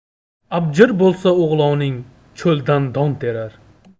abjir bo'lsa o'g'loning cho'ldan don terar